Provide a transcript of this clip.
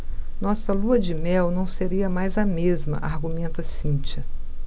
nossa lua-de-mel não seria mais a mesma argumenta cíntia